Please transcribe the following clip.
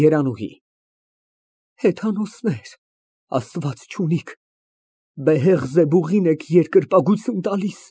ԵՐԱՆՈՒՀԻ ֊ Հեթանոսներ, Աստված չունիք, Բեհեղզեբուղին եք երկրպագություն տալիս։